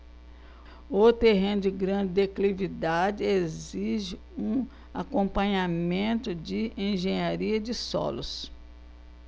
o terreno de grande declividade exige um acompanhamento de engenharia de solos